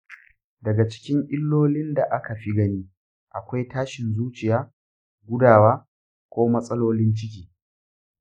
daga cikin illolin da aka fi gani akwai tashin zuciya, gudawa, ko matsalolin ciki.